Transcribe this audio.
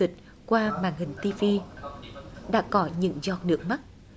tịch qua màn hình ti vi đã có những giọt nước mắt